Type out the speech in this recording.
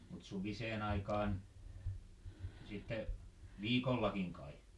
mutta suviseen aikaan sitten viikollakin kai